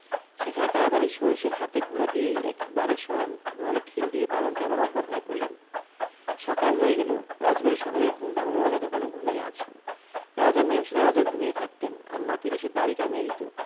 সেখানে তাড়াতাড়ি সহিসের হাতে ঘোড়া দিয়েই একেবারে শয়ন ঘরে খিল দিয়ে পালঙ্কে আবার অজ্ঞান হয়ে পড়লেন সকাল হয়ে গেল রাজবাড়ির সকলের ঘুম ভাঙল রাজা তখনও ঘুমিয়ে আছেন রাজার নিয়ম ছিল রাজা ঘুমিয়ে থাকতেন আর নাপিত এসে দাঁড়ি কমিয়ে দিত